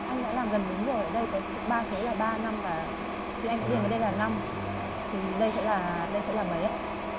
anh đã làm gần đúng rồi ở đây có ba số là ba năm và thì anh đã điền vào đây là năm thì đây sẽ là đây sẽ là mấy ạ